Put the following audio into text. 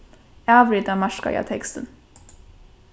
avrita markaða tekstin